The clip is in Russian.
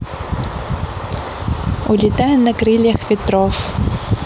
улетай на крыльях ветров